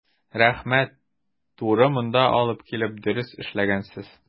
Рәхмәт, туры монда алып килеп дөрес эшләгәнсез.